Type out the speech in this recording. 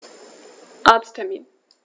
Arzttermin